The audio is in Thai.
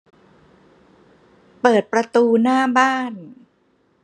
เปิดประตูหน้าบ้าน